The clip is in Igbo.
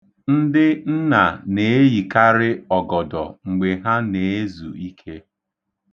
Ndị nne na-amakarị ọgọdọ mgbe ha na-ezu ike.